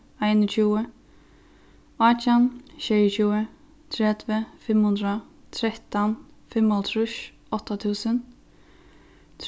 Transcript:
einogtjúgu átjan sjeyogtjúgu tretivu fimm hundrað trettan fimmoghálvtrýss átta túsund